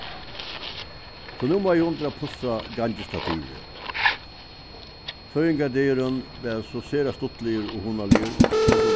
so nú má eg undir at pussa gangistativið føðingardagurin var so sera stuttligur og hugnaligur nógvur